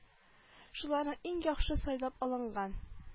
Шуларның иң яхшы сайлап алынган